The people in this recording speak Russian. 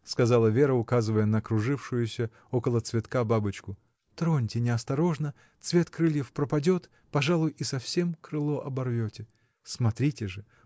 — сказала Вера, указывая на кружившуюся около цветка бабочку, — троньте неосторожно, цвет крыльев пропадет, пожалуй, и совсем крыло оборвете. Смотрите же!